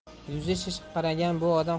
yuzi shishinqiragan bu odam